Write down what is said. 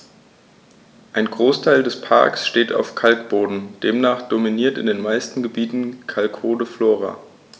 Ein Großteil des Parks steht auf Kalkboden, demnach dominiert in den meisten Gebieten kalkholde Flora.